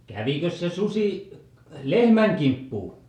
kävikös se susi lehmän kimppuun